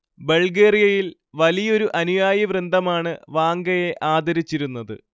ബൾഗേറിയയിൽ വലിയൊരു അനുയായി വൃന്ദമാണ് വാംഗയെ ആദരിച്ചിരുന്നത്